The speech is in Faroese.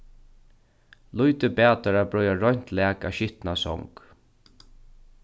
lítið batar at breiða reint lak á skitna song